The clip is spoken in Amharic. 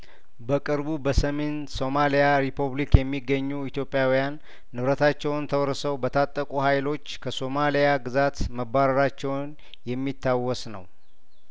በቅርቡ በሰሜን ሶማሊያ ሪፖብሊክ የሚገኙ ኢትዮጵያዊያ ንንብረታቸውን ተወርሰው በታጠቁ ሀይሎች ከሶማሊያ ግዛት መባረራቸውን የሚታወስ ነው